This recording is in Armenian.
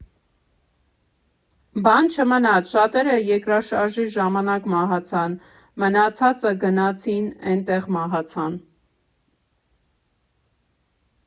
֊ Բան չմնաց, շատերը երկրաշարժի ժամանակ մահացան, մնացածը գնացին, էնտեղ մահացան։